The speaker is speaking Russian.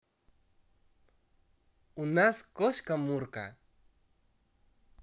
у нас кошка мурка